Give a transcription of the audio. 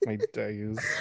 My days!